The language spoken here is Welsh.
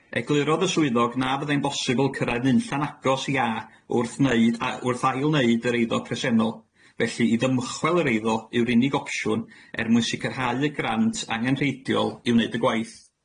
Eglurodd y swyddog na fyddai'n bosibl cyrraedd nunlla'n agos i A wrth wneud a- wrth ail-wneud yr eiddo presennol, felly i ddymchwel yr eiddo yw'r unig opsiwn er mwyn sicrhau y grant angenrheidiol i wneud y gwaith.